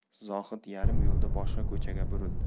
zohid yarim yo'lda boshqa ko'chaga burildi